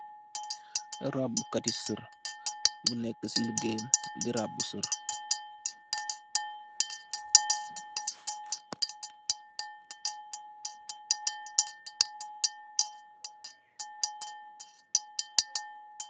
Raabukati saer bu neka si ligeyam di raabu sar